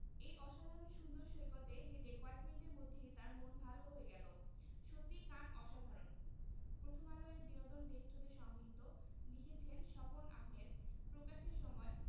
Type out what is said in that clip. এই অসাধারণ সুন্দর সৈকতে হেঁটে কয়েক মিনিটের মধ্যেই তার মন ভালো হয়ে গেল সত্যিই কান অসাধারণ প্রথমআলো এর বিনোদন ডেস্ক হতে সংগৃহীত লিখেছেনঃ স্বপন আহমেদ প্রকাশের সময়